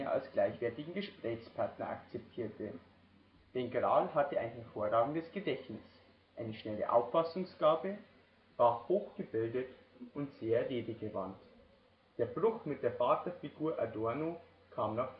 als gleichwertigen Gesprächspartner akzeptierte. Denn Krahl hatte ein hervorragendes Gedächtnis, eine schnelle Auffassungsgabe, war hochgebildet und sehr redegewandt. Der Bruch mit der Vaterfigur Adorno kam nach